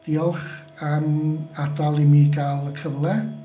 Diolch am adael i mi gael y cyfle.